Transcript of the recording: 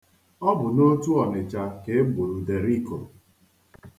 O bu n'Otu Onicha ka e gburu Deriko.